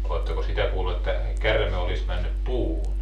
oletteko sitä kuullut että käärme olisi mennyt puuhun